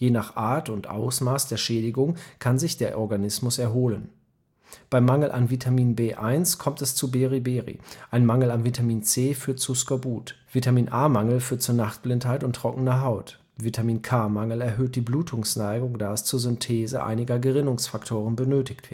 nach Art und Ausmaß der Schädigung kann sich der Organismus erholen. Bei Mangel an Vitamin B1 kommt es zu Beri-Beri. Ein Mangel an Vitamin C führt zu Skorbut. Vitamin-A-Mangel führt zu Nachtblindheit und trockener Haut. Vitamin-K-Mangel erhöht die Blutungsneigung, da es zur Synthese einiger Gerinnungsfaktoren benötigt